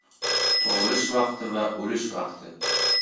tug'ilish vaqti va o'lish vaqti